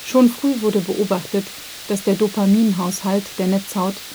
Schon früh wurde beobachtet, dass der Dopaminhaushalt der Netzhaut